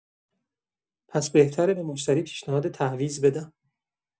پس بهتره به مشتری پیشنهاد تعویض بدیم.